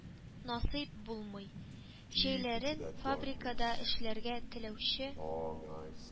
Насыйп булмый, җәйләрен фабрикада эшләргә теләүче